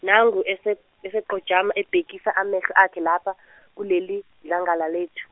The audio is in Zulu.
nangu eseq- eseqojama ebhekisa amehlo akhe lapha kulelidlangala lethu.